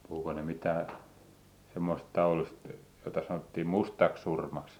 puhuiko ne mitään semmoisesta taudista jota sanottiin mustaksi surmaksi